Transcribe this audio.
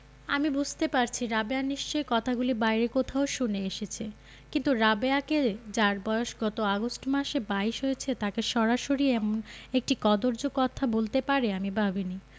আমি বুঝতে পারছি রাবেয়া নিশ্চয়ই কথাগুলি বাইরে কোথাও শুনে এসেছে কিন্তু রাবেয়াকে যার বয়স গত আগস্ট মাসে বাইশ হয়েছে তাকে সরাসরি এমন একটি কদৰ্য কথা বলতে পারে আমি ভাবিনি